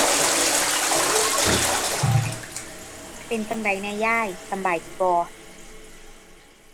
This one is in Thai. เป็นจั่งใดแหน่ยาย สำบายดีบ่